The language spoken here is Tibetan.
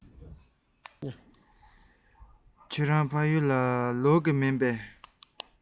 ཁྱེད རང ཕ ཡུལ ལ ལོག གི མིན པས